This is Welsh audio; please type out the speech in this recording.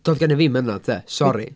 Doedd genna fi ddim mynadd de? Sori.